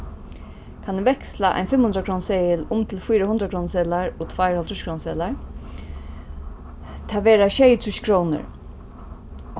kann eg veksla ein fimmhundraðkrónuseðil um til fýra hundraðkrónuseðlar og tveir hálvtrýsskrónuseðlar tað verða sjeyogtrýss krónur